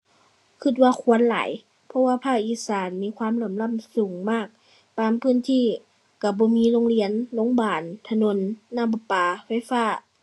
คิดว่าควรหลาย เพราะว่าภาคอีสานมีความเหลื่อมล้ำสูงมาก บางพื้นที่คิดบ่มีโรงเรียน โรงบาล ถนน น้ำปะปา ไฟฟ้า